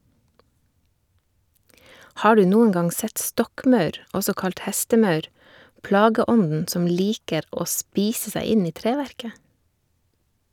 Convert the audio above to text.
Har du noen gang sett stokkmaur , også kalt hestemaur, plageånden som liker å spise seg inn i treverket?